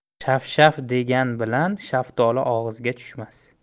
shaf shaf degan bilan shaftoli og'izga tushmas